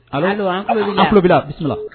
Ayiwa tulo bɛ la